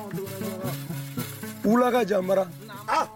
Wula ka jan nbara, naamu